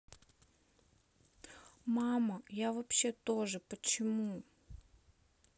мама я вообще тоже почему